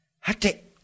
hatɛ